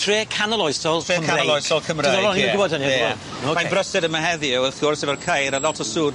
Tre canol oesol... Tre canol oesol Cymraeg. Ma'en brysur yma heddiw wrth gwrs efo'r ceir a lot o swn.